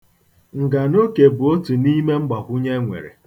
Nganoke bụ otu n'ime mgbakwụnye e nwere.